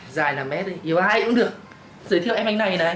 giai năm ét ý yêu ai cũng được giới thiệu em anh này này